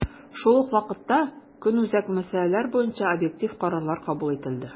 Шул ук вакытта, көнүзәк мәсьәләләр буенча объектив карарлар кабул ителде.